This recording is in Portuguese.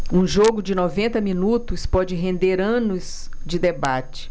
um jogo de noventa minutos pode render anos de debate